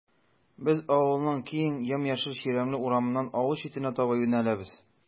Без авылның киң, ямь-яшел чирәмле урамыннан авыл читенә таба юнәләбез.